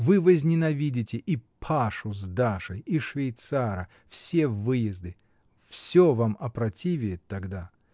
Вы возненавидите и Пашу с Дашей, и швейцара, все выезды — всё вам опротивеет тогда.